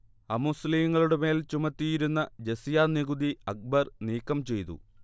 അമുസ്ലീങ്ങളുടെ മേൽ ചുമത്തിയിരുന്ന ജസിയ നികുതി അക്ബർ നീക്കംചെയ്തു